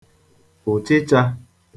ụ̀chịchā